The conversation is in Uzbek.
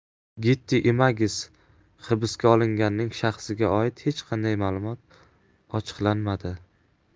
getty images hibsga olinganning shaxsiga oid hech qanday ma'lumot ochiqlanmadi